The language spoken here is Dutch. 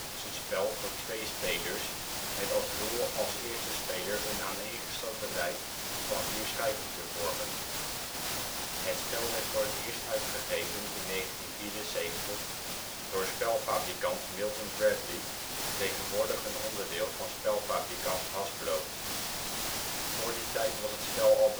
spel voor twee spelers met als doel als eerste speler een aaneengesloten rij van vier schijven te vormen. Het spel werd voor het eerst uitgegeven in 1974 door spelfabrikant Milton Bradley, tegenwoordig een onderdeel van spelfabrikant Hasbro. Voor die tijd was het spel al bekend